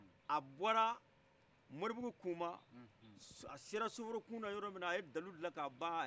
a bɔla moribugu kuma a sela soforokun na yɔrɔ min na a ye dalilu dilan k' a ban